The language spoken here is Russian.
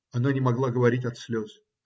Она не могла говорить от слез.